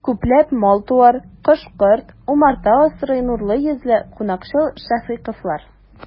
Күпләп мал-туар, кош-корт, умарта асрый нурлы йөзле, кунакчыл шәфыйковлар.